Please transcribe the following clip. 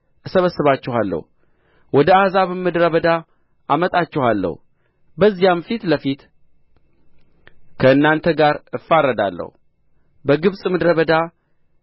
እሰበስባችኋለሁ ወደ አሕዛብም ምድረ በዳ አመጣችኋለሁ በዚያም ፊት ለፊት ከእናንተ ጋር እፋረዳለሁ በግብጽ ምድረ በዳ